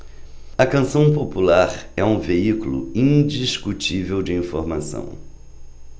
a canção popular é um veículo indiscutível de informação